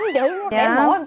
đây dải đất